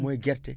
mooy gerte